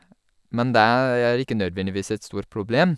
Men det er ikke nødvendigvis et stort problem.